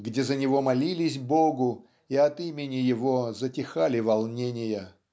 где за него молились Богу и от имени его затихали волнения